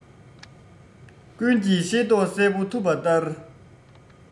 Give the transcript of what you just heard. ཀུན གྱིས ཤེས རྟོགས གསལ པོ ཐུབ པ ལྟར